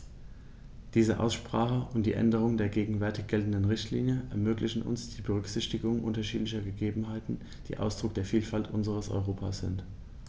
Diese Aussprache und die Änderung der gegenwärtig geltenden Richtlinie ermöglichen uns die Berücksichtigung unterschiedlicher Gegebenheiten, die Ausdruck der Vielfalt unseres Europas sind.